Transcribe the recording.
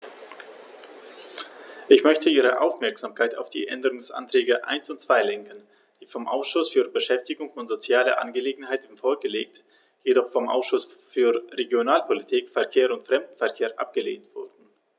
Ich möchte Ihre Aufmerksamkeit auf die Änderungsanträge 1 und 2 lenken, die vom Ausschuss für Beschäftigung und soziale Angelegenheiten vorgelegt, jedoch vom Ausschuss für Regionalpolitik, Verkehr und Fremdenverkehr abgelehnt wurden.